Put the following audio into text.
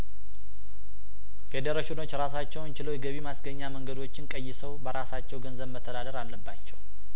ፌዴሬሽኖች ራሳቸውን ችለው የገቢ ማስገኛ መንገዶችን ቀይሰው በራሳቸው ገንዘብ መተዳደር አለባቸው